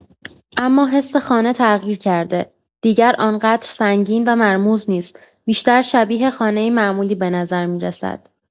اما حس خانه تغییر کرده، دیگر آن‌قدر سنگین و مرموز نیست، بیشتر شبیه خانه‌ای معمولی به نظر می‌رسد.